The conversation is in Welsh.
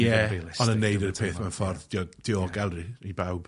Ie ond yn neud y peth mewn ffor dio- diogel rili i bawb.